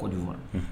Ko